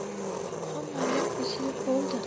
hammayoq buzilib bo'ldi